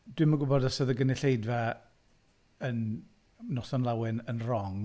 Dwi ddim yn gwybod os oedd y gynulleidfa yn Noson Lawen yn wrong?